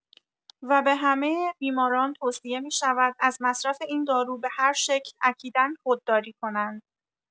و به همه بیماران توصیه می‌شود از مصرف این دارو به هر شکل اکیدا خودداری کنند.